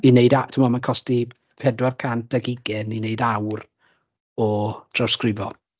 I wneud a-... Timod ma'n costi pedwar cant ac ugain i wneud awr o drawsgrifo.